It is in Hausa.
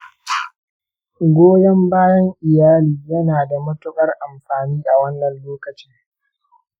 goyon bayan iyali yna da matukar amfani a wannan lokacin.